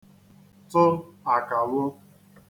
tụ àkàwo